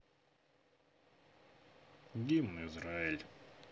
гимн израиль